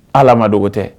Ala ma dogo tɛ